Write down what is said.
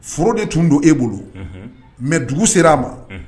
Foro de tun don e bolo mɛ dugu sera a ma